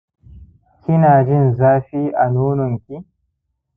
kinajin zafi a nononki